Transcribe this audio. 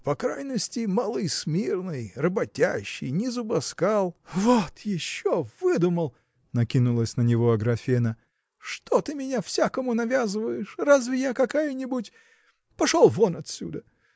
по крайности малый смирный, работящий, не зубоскал. – Вот еще выдумал! – накинулась на него Аграфена – что ты меня всякому навязываешь разве я какая-нибудь. Пошел вон отсюда!